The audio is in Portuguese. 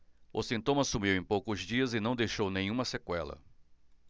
o sintoma sumiu em poucos dias e não deixou nenhuma sequela